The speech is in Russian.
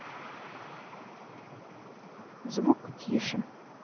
звук тише